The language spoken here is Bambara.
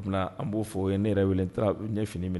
O an b'o fɔ ye ne yɛrɛ wele ɲɛ fini minɛ